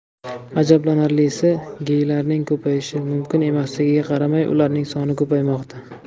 ajablanarlisi geylarning ko'payishi mumkin emasligiga qaramay ularning soni ko'paymoqda